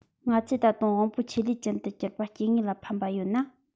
ང ཚོས ད དུང དབང པོ ཆེད ལས ཅན དུ གྱུར པ སྐྱེ དངོས ལ ཕན པ ཡོད ན